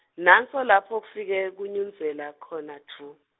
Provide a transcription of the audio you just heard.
nanso lapho kufike, kunyundzele khona dvu.